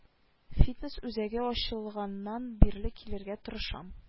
Фитнес үзәге ачылганнан бирле килергә тырышам